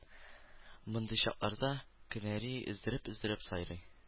Мондый чакларда кенәри өздереп-өздереп сайрый